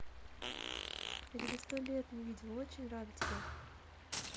я тебе сто лет не видел очень рада тебе